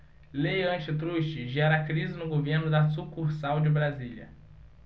lei antitruste gera crise no governo da sucursal de brasília